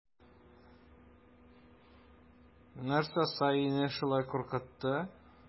Нәрсә саине шулай куркытты?